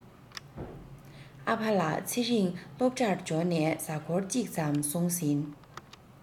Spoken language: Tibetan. ཨ ཕ ལ ཚེ རིང སློབ གྲྭར འབྱོར ནས གཟའ འཁོར གཅིག ཙམ སོང ཟིན